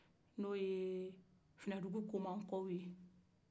n'o ye finadugukoma kɔ ye